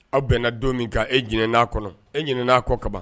Aw bɛnna don min kan e j n'a kɔnɔ e j'a kɔ kaban